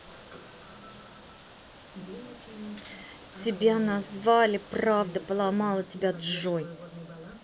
тебя назвали правда поломала тебя джой